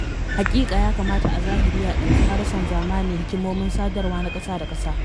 Hakika, ya kamata a zahiri a dauki harsunan zamani “hikimomin sadarwa na kasa-da-kasa.”